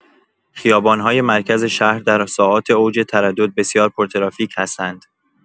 خیابان‌های مرکز شهر در ساعات اوج تردد بسیار پرترافیک هستند.